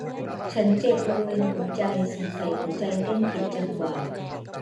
ฉันเจ็บบริเวณหัวใจสงสัยหัวใจเต้นผิดจังหวะ